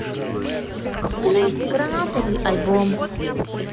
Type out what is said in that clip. сплин гранатовый альбом